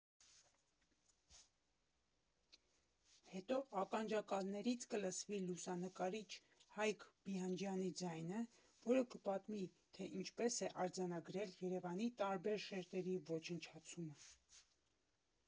Հետո ականջակալներից կլսվի լուսանկարիչ Հայկ Բիանջյանի ձայնը, որը կպատմի, թե ինչպես է արձանագրել Երևանի տարբեր շերտերի ոչնչացումը։